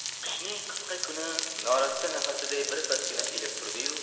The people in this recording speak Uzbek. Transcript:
qishning qisqa kuni norasta nafasiday birpasgina ilib turdi yu